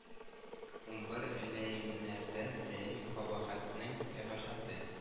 Унбер ләимнәрдән ләим кабахәтләрнең кабахәте